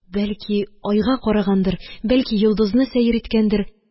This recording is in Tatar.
Бәлки, айга карагандыр, бәлки, йолдызны сәер иткәндер